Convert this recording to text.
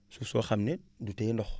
suuf soo xam ne du téye ndox